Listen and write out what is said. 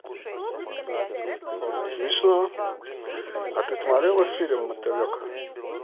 смешно а ты смотрела фильм мотылек